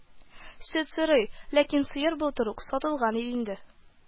Сөт сорый, ләкин сыер былтыр ук сатылган иде инде